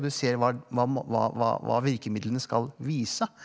du ser var hva hva hva hva virkemidlene skal vise.